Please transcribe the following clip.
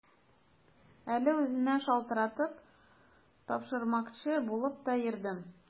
Әле үзенә шалтыратып, тапшырмакчы булып та йөрдем.